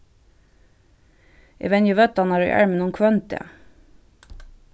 eg venji vøddarnar í arminum hvønn dag